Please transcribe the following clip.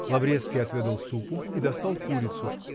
Лаврецкий отведал супу и достал курицу